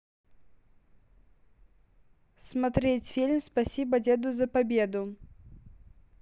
смотреть фильм спасибо деду за победу